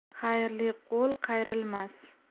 xayrli qo'l qayrilmas